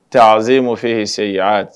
Taaze' fɔ hse yan